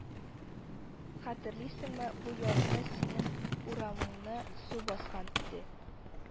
Хәтерлисеңме, бу язны синең урамыңны су баскан иде